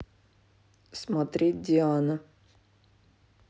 смотреть диана